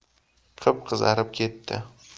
qip qizarib ketdi